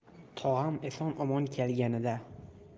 tog'am eson omon kelganida